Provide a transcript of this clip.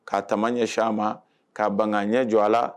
K kaa taama ɲɛ sh a ma kaa ban ɲɛ jɔ a la